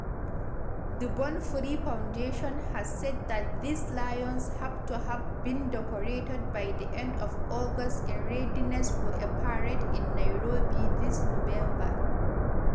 The Born Free Foundation has said that these lions have to have been decorated by end of August in readiness for a parade in Nairobi this November.